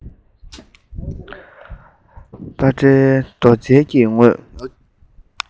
པ ཊའི རྡོ གཅལ གྱི ངོས